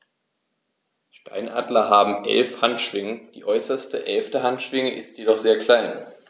Steinadler haben 11 Handschwingen, die äußerste (11.) Handschwinge ist jedoch sehr klein.